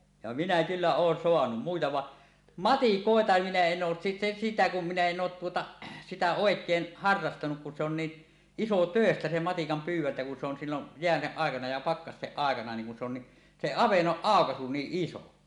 ja minä kyllä olen saanut muita vaan matikoita minä en ole - sitä kun minä en ole tuota sitä oikein harrastanut kun se on niin isotöistä se matikan pyydäntä kun se on silloin jäiden aikana ja pakkasten aikana niin kun se on niin se avannon aukaisu niin iso